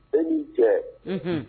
E ni ce hhun